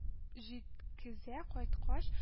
Җиткезә кайткач